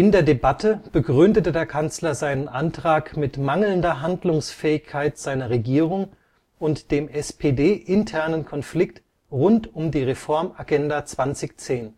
der Debatte begründete der Kanzler seinen Antrag mit mangelnder Handlungsfähigkeit seiner Regierung und dem SPD-internen Konflikt rund um die Reformagenda 2010. Er